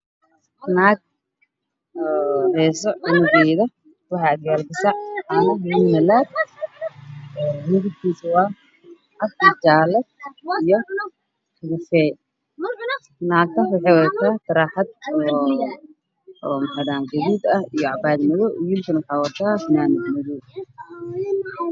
Naag oo heeso cunugeeda waxaa ag.yaalo weel caano ku jiraan